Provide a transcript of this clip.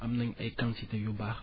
am nañ ay quantité yu baax